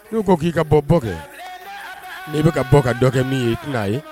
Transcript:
N'u ko k'i ka bɔ bɔ kɛ n'i bɛ ka bɔ ka dɔgɔ kɛ min ye i tɛna'a ye